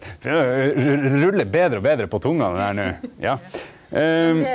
rullar betre og betre på tunga det her no ja .